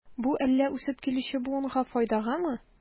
Бу әллә үсеп килүче буынга файдагамы?